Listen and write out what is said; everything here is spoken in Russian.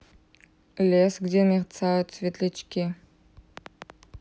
лес где мерцают светлячки